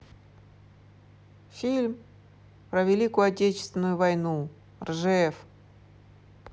фильм про великую отечественную войну ржев